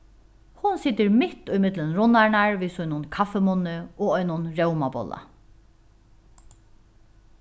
hon situr mitt ímillum runnarnar við sínum kaffimunni og einum rómabolla